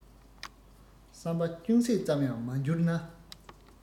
བསམ པ ཅུང ཟད ཙམ ཡང མ འགྱུར ན